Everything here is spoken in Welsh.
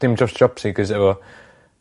dim jyst jobseekers efo